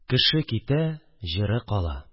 Кеше китә – җыры кала